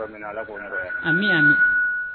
Mina ala a bɛ yan min